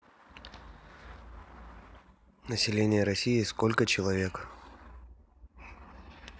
население россии сколько человек